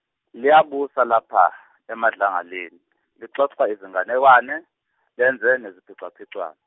liyabusa lapha emadlangaleni, lixoxa izinganekwane, lenze neziphicaphicwan-.